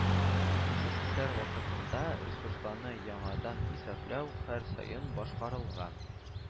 СССР вакытында ресурсларны яңадан исәпләү һәр саен башкарылган